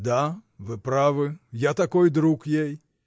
— Да, вы правы: я такой друг ей.